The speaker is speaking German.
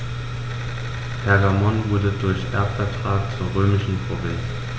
Pergamon wurde durch Erbvertrag zur römischen Provinz.